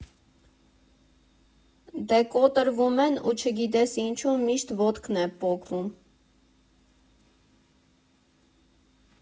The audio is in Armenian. Դե կոտրվում են ու, չգիտես ինչու, միշտ ոտքն է պոկվում։